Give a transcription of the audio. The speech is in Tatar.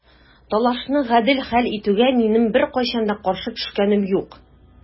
Талашны гадел хәл итүгә минем беркайчан да каршы төшкәнем юк.